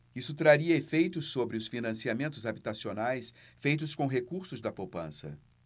isso traria efeitos sobre os financiamentos habitacionais feitos com recursos da poupança